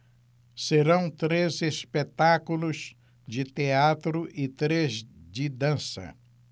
serão três espetáculos de teatro e três de dança